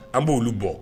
An b' oluolu bɔ